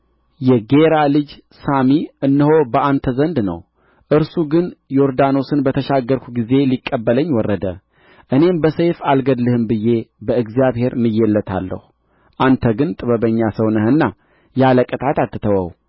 የጌራ ልጅ ሳሚ እነሆ በአንተ ዘንድ ነው እርሱ ግን ዮርዳኖስን በተሻገርሁ ጊዜ ሊቀበለኝ ወረደ እኔም በሰይፍ አልገድልህም ብዬ በእግዚአብሔር ምዬለታለሁ አንተ ግን ጥበበኛ ሰው ነህና ያለ ቅጣት አትተወው